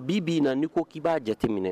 Bi b'i na n' ko k'i b'a jateminɛ